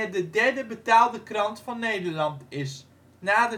de derde betaalde krant van Nederland is, na